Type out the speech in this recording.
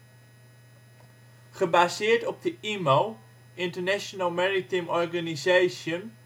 Gebaseerd op de IMO (International Maritime Organization) publicatie